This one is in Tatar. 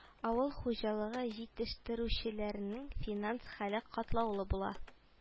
Авыл хуҗалыгы җитештерүчеләренең финанс хәле катлаулы була